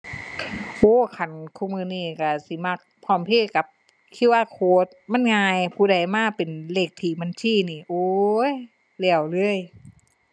สร้างด้วยไม้ ในสมัยนี้ก็ยังพบเห็นได้อยู่ว่าคนอีสานตามหมู่บ้าน แบบ ถิ่นกำเนิดหยังจั่งซี้น่ะก็ยังมีการก็ไม้ในการเฮ็ดบ้านเรือนอยู่